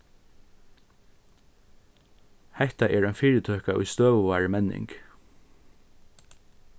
hetta er ein fyritøka í støðugari menning